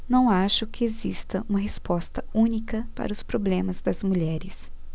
não acho que exista uma resposta única para os problemas das mulheres